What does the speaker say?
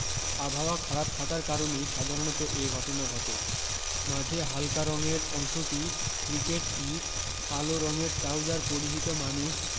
আবহাওয়া খারাপ থাকার কারণেই সাধারণত এ ঘটনা ঘটে মাঝে হালকা রঙের অংশটি ক্রিকেট পীচ কালো রঙের ট্রাউজার পরিহিত মানুষ